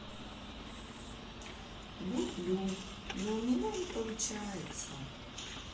люблю но у меня не получается